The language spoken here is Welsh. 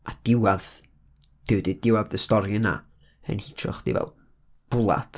A diwadd, diw- di- diwadd y stori yna, mae o'n hitio chdi fel bwled.